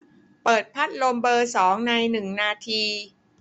เปิดพัดลมเบอร์สองในหนึ่งนาที